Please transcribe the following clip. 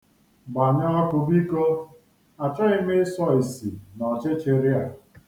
Gbanye ọkụ biko, a chọghị m ịsọ isi n'ọchịchịrị a.